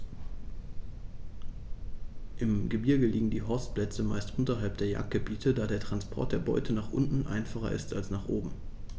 Im Gebirge liegen die Horstplätze meist unterhalb der Jagdgebiete, da der Transport der Beute nach unten einfacher ist als nach oben.